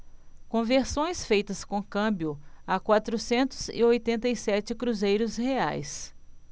conversões feitas com câmbio a quatrocentos e oitenta e sete cruzeiros reais